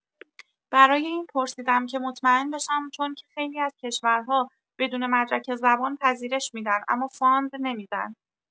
برای این پرسیدم که مطمئن بشم چون که خیلی از کشورها بدون مدرک زبان پذیرش می‌دن اما فاند نمی‌دن